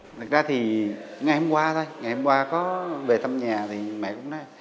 thật ra thì ngày hôm qua ngày hôm qua có về thăm nhà thì mẹ cũng nói